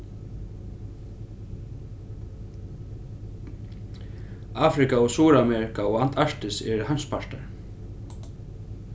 afrika og suðuramerika og antarktis eru heimspartar